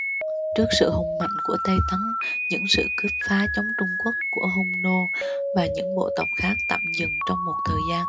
trước sự hùng mạnh của tây tấn những sự cướp phá chống trung quốc của hung nô và những bộ tộc khác tạm dừng trong một thời gian